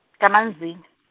kaManzini.